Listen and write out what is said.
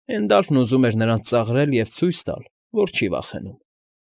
Հենդալֆն ուզում էր նրանց ծաղրել և ցույց տալ, որ չի վախենում։